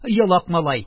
Елак малай!